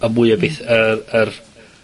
A mwy o beth, yr, yr